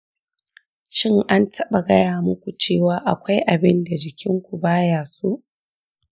shin an taɓa gaya muku cewa akwai abin da jikin ku ba ya so?